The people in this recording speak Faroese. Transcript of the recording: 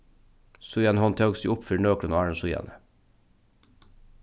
síðan hon tók seg upp fyri nøkrum árum síðan